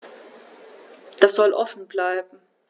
Das soll offen bleiben.